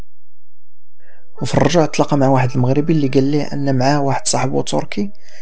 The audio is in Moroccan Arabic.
مفروشات القمه واحد مغربي اللي كان معي واحد صاحبي صورتي